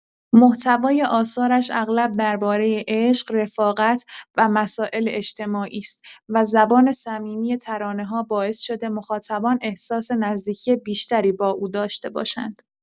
محتوای آثارش اغلب درباره عشق، رفاقت و مسائل اجتماعی است و زبان صمیمی ترانه‌ها باعث شده مخاطبان احساس نزدیکی بیشتری با او داشته باشند.